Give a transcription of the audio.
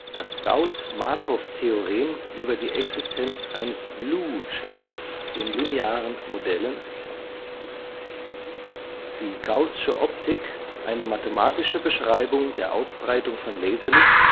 das Gauß-Markow-Theorem über die Existenz eines BLUE-Schätzers in linearen Modellen die gaußsche Optik, eine mathematische Beschreibung der Ausbreitung von Laserlicht